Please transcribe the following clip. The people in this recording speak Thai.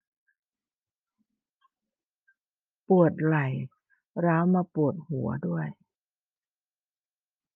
ปวดไหล่ร้าวมาปวดหัวด้วย